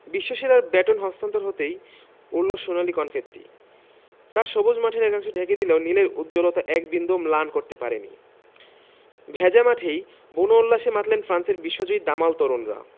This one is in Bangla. বিশ্বসেরার ব্যাটন হস্তান্তর হতেই উড়ল সোনালি কনফেত্তি তা সবুজ মাঠের একাংশ ঢেকে দিলেও নীলের উজ্জ্বলতা এক বিন্দুও ম্লান করতে পারেনি ভেজা মাঠেই বুনো উল্লাসে মাতলেন ফ্রান্সের বিশ্বজয়ী দামাল তরুণরা